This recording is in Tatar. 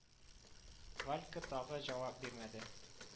Валька тагы җавап бирмәде